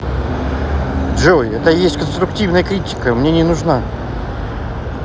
джой это есть конструктивная критика мне не нужна